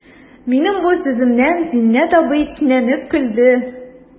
Минем бу сүземнән Зиннәт абзый кинәнеп көлде.